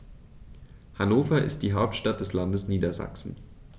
Hannover ist die Hauptstadt des Landes Niedersachsen.